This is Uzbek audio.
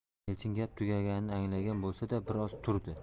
elchin gap tugaganini anglagan bo'lsa da bir oz turdi